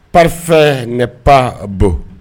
Pafe nɛgɛ pan bɔ